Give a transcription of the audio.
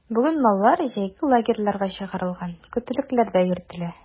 Бүген маллар җәйге лагерьларга чыгарылган, көтүлекләрдә йөртелә.